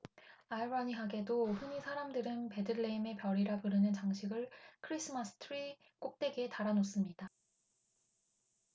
아이러니하게도 흔히 사람들은 베들레헴의 별이라 부르는 장식을 크리스마스트리 꼭대기에 달아 놓습니다